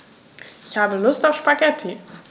Ich habe Lust auf Spaghetti.